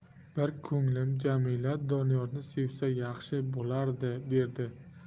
bir ko'nglim jamila doniyorni sevsa yaxshi bo'lardi derdi